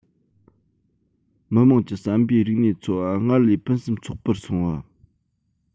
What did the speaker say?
མི རྣམས ཀྱི བསམ པའི རིག གནས འཚོ བ སྔར ལས ཕུན སུམ ཚོགས པོར སོང བ